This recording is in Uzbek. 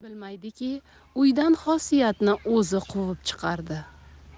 bilmaydiki uydan xosiyatni o'zi quvib chiqardi